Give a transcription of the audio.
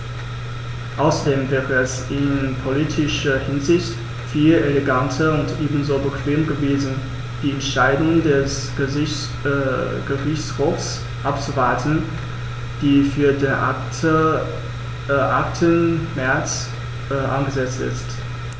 Außerdem wäre es in politischer Hinsicht viel eleganter und ebenso bequem gewesen, die Entscheidung des Gerichtshofs abzuwarten, die für den 8. März angesetzt ist.